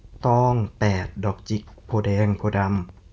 ตองแปดดอกจิกโพธิ์แดงโพธิ์ดำ